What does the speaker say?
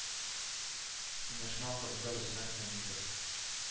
Киңәшмә ахырында Рөстәм Хәмитов